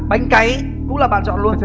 bánh cáy cũng là bạn chọn luôn